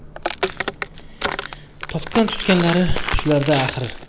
topgan tutganlari shular da axir